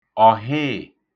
ọ̀hịị̀